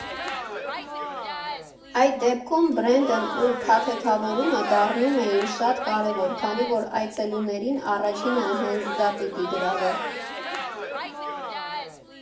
Այս դեպքում բրենդն ու փաթեթավորումը դառնում էին շատ կարևոր, քանի որ այցելուներին առաջինը հենց դա պիտի գրավեր։